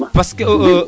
parce que